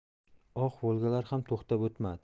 oq volgalar ham to'xtab o'tmadi